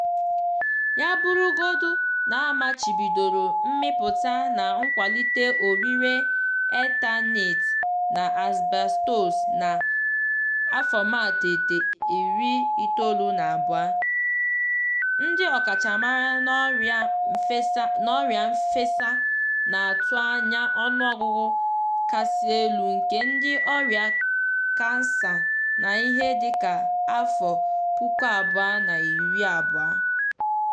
Ya bụrụgodu na a machibidoro mmịpụta na nkwalite orire Eternit na asbestos na 1992, ndị ọkachamara n'ọrịa nfesa na-atụ anya ọnụọgụgụ kasị elu nke ndị ọrịa kansa n'ihe dịka afọ 2020.